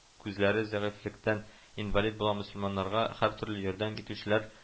Күзләре зәгыйфьлектән инвалид булган мөселманнарга һәртөрле ярдәм итүчеләр